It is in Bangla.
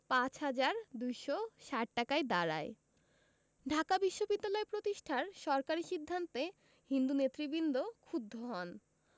৫ হাজার ২৬০ টাকায় দাঁড়ায় ঢাকা বিশ্ববিদ্যালয় প্রতিষ্ঠার সরকারি সিদ্ধান্তে হিন্দু নেতৃবৃন্দ ক্ষুব্ধ হন